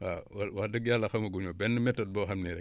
waaw wax dëgg Yàlla xamaguñu benn méthode boo xam ne rekk